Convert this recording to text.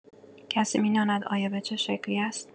کسی می‌داند آیا به چه شکلی است؟